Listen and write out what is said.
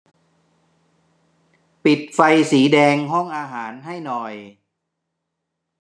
ปิดไฟสีแดงห้องอาหารให้หน่อย